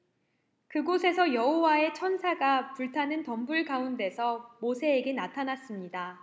그곳에서 여호와의 천사가 불타는 덤불 가운데서 모세에게 나타났습니다